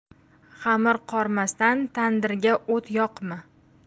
xamir qormasdan tandirga o't yoqma